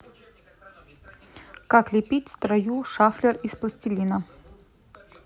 как лепить строю шафлер из пластилина